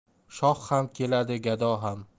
shoh ham keladi gado ham